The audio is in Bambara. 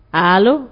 Aa